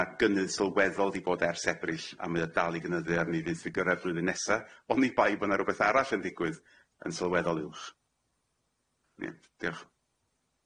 na gynnydd sylweddol di bod ers Ebrill a mae o dal i gynnyddu arni fyth i gyra'r flwyddyn nesa onni bai bo' na rwbeth arall yn ddigwydd yn sylweddol uwch. Ie. Diolch.